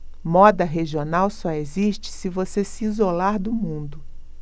moda regional só existe se você se isolar do mundo